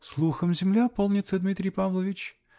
-- Слухом земля полнится, Дмитрий Павлович